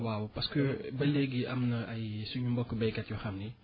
waaw parce que ba léegi am na ay suñu mbokku baykat yoo xam ni